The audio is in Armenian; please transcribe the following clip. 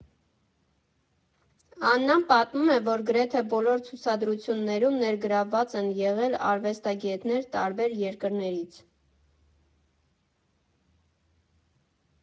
Աննան պատմում է, որ գրեթե բոլոր ցուցադրություններում ներգրավված են եղել արվեստագետներ տարբեր երկրներից։